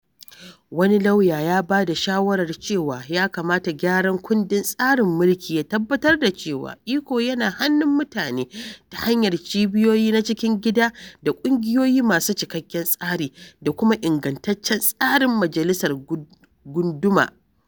Wani lauya ya ba da shawarar cewa ya kamata gyaran kundin tsarin mulki ya tabbatar da cewa iko yana hannun mutane, ta hanyar cibiyoyi na cikin gida da ƙungiyoyii masu cikakken tsari, da kuma ingantaccen tsarin majalisar gunduma.